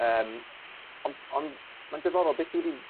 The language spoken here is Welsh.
Yym on- ond ma'n diddorol be' sy wedi